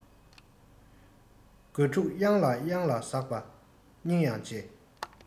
རྒོད ཕྲུག གཡང ལ གཡང ལ ཟགས པ སྙིང ཡང རྗེ